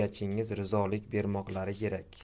egachingiz rizolik bermoqlari kerak